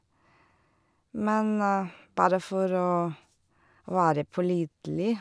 Men bare for å være pålitelig.